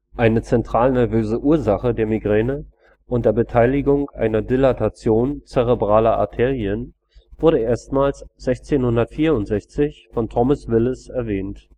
Eine zentralnervöse Ursache der Migräne unter Beteiligung einer Dilatation zerebraler Arterien wurde erstmals 1664 von Thomas Willis erwähnt